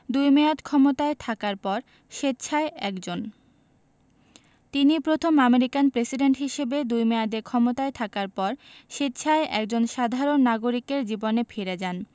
দুই মেয়াদ ক্ষমতায় থাকার পর স্বেচ্ছায় একজন তিনি প্রথম আমেরিকার প্রেসিডেন্ট হিসেবে দুই মেয়াদে ক্ষমতায় থাকার পর স্বেচ্ছায় একজন সাধারণ নাগরিকের জীবনে ফিরে যান